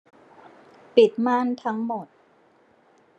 ปิดม่านทั้งหมด